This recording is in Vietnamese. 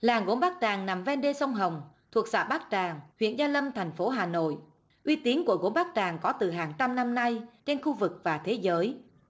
làng gốm bát tràng nằm ven đê sông hồng thuộc xã bát tràng huyện gia lâm thành phố hà nội uy tín của gốm bát tràng có từ hàng trăm năm nay trên khu vực và thế giới